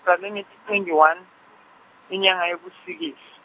ngizalwe ngeti twenty one, inyanga yebu sikisi.